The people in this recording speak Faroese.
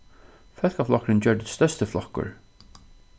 fólkaflokkurin gjørdist størsti flokkur